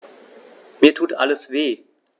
Mir tut alles weh.